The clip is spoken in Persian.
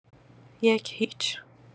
یک هیچ